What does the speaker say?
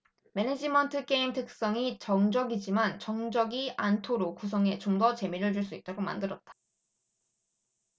매니지먼트 게임 특성이 정적이지만 정적이지 않도록 구성해 좀 더 재미를 줄 수 있도록 만들었다